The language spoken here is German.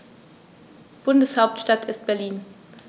Bundeshauptstadt ist Berlin.